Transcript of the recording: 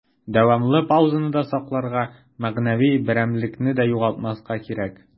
Дәвамлы паузаны да сакларга, мәгънәви берәмлекне дә югалтмаска кирәк.